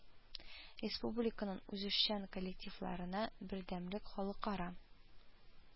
Республиканың үзешчән коллективларына бердәмлек халыкара